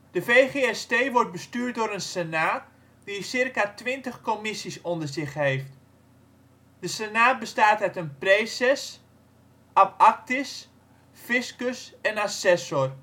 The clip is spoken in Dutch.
De VGST wordt bestuurd door een senaat die circa twintig commissies onder zich heeft. De senaat bestaat uit een praeses, abactis, fiscus en assessor